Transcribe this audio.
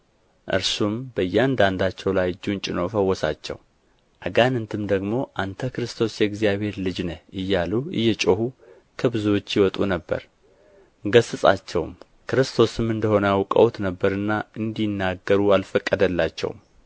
እርሱም በእያንዳቸው ላይ እጁን ጭኖ ፈወሳቸው አጋንንትም ደግሞ አንተ ክርስቶስ የእግዚአብሔር ልጅ ነህ እያሉ እየጮኹም ከብዙዎች ይወጡ ነበር ገሠጻቸውም ክርስቶስም እንደ ሆነ አውቀውት ነበርና እንዲናገሩ አልፈቀደላቸውም